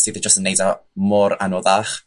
sydd y jys yn neud o mor anoddach.